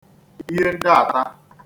iyendaata